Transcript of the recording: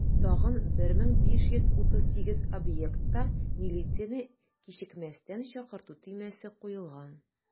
Тагын 1538 объектта милицияне кичекмәстән чакырту төймәсе куелган.